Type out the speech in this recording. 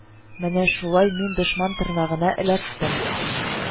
Менә шулай мин дошман тырнагына эләктем